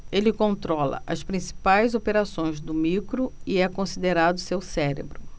ele controla as principais operações do micro e é considerado seu cérebro